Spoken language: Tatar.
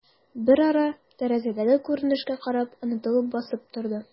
Берара, тәрәзәдәге күренешкә карап, онытылып басып торды.